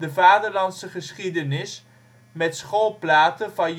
vaderlandse geschiedenis, met schoolplaten van